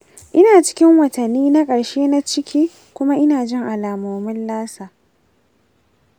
ina cikin watanni na ƙarshe na ciki kuma ina jin alamomin lassa.